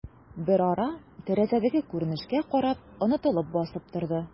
Берара, тәрәзәдәге күренешкә карап, онытылып басып торды.